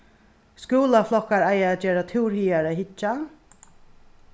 skúlaflokkar eiga at gera túr higar at hyggja